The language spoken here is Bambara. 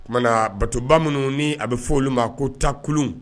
O tumaumana na batoba minnu ni a bɛ fɔ olu ma ko takulu